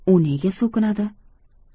u nega so'kinadi